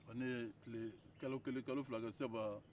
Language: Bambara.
ne ye tile kalo kelen kalo fila kɛ seba